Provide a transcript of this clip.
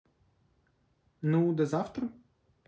ну да завтра